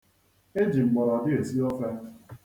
E ji mgbọrọdị esi ofe.